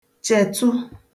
chètụ